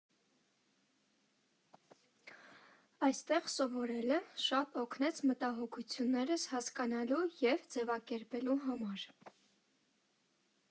Այստեղ սովորելը շատ օգնեց մտահոգություններս հասկանալու և ձևակերպելու համար»։